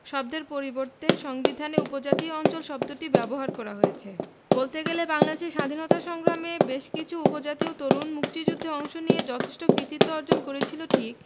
শব্দের পরিবর্তে সংবিধানে উপজাতীয় অঞ্চল শব্দটি ব্যবহার করা হয়েছে বলতে গেলে বাংলাদেশের স্বাধীনতা সংগ্রামে বেশকিছু উপজাতীয় তরুণ মুক্তিযুদ্ধে অংশ নিয়ে যথেষ্ট কৃতিত্ব অর্জন করেছিল ঠিক